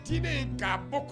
Diden k'a bɔ k